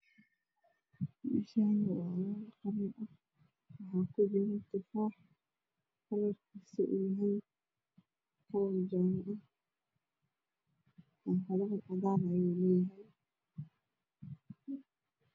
Meeshani waa meel qudaar ah waxaa ku jiro tufaax midabkiisuna waa cagaar ah barbaro cadaan ayuu leeyahay